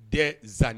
Tɛ zan